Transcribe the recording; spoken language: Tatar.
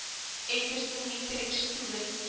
Әйтерсең, мин тере кеше түгел